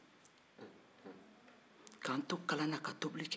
k'an to kalan na ka tobili kɛ